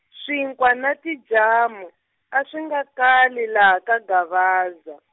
swinkwa na tijamu, a swi nga kali laha ka Gavaza.